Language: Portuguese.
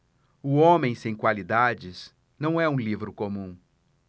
o homem sem qualidades não é um livro comum